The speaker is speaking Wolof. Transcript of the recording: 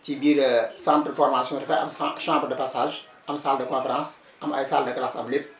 ci biir centre de formation dafay am cham chambre de passage am salle de conférence am ay salles de classe am lépp